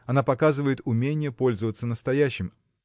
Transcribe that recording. она показывает уменье пользоваться настоящим